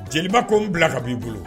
Jeliba ko bɛ bila ka b'i bolo